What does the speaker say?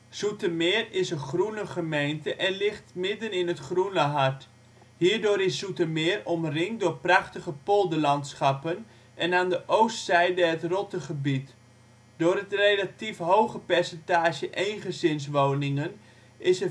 Zoetermeer is een groene gemeente en ligt midden in het Groene Hart. Hierdoor is Zoetermeer omringd door prachtige polderlandschappen en aan de oostzijde het Rotte gebied. Door het relatief hoge percentage eengezinswoningen is